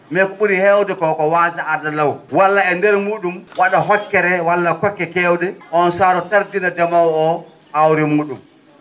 mais ko ?uri heewde ko ko waasa arde law walla e ndeer muu?um wa?a hokkere walla kokke keew?e on saaru tardina ndemoowo o aawre muu?um